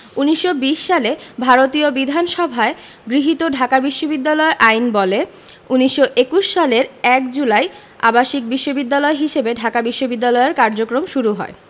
১৯২০ সালে ভারতীয় বিধানসভায় গৃহীত ঢাকা বিশ্ববিদ্যালয় আইনবলে ১৯২১ সালের ১ জুলাই আবাসিক বিশ্ববিদ্যালয় হিসেবে ঢাকা বিশ্ববিদ্যালয়ের কার্যক্রম শুরু হয়